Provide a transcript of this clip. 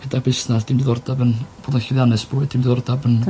rhedag busnas dim diddordab yn bod yn llwyddianus probably dim diddordab yn...